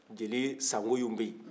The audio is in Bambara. jeli sangoyo bɛ yen